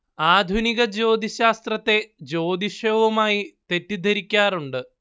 ആധുനിക ജ്യോതിശ്ശാസ്ത്രത്തെ ജ്യോതിഷവുമായി തെറ്റിദ്ധരിക്കാറുണ്ട്